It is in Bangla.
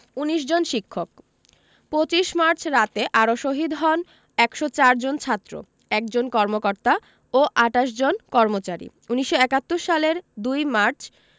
১৯ জন শিক্ষক ২৫ মার্চ রাতে আরো শহীদ হন ১০৪ জন ছাত্র ১ জন কর্মকর্তা ও ২৮ জন কর্মচারী ১৯৭১ সালের ২ মার্চ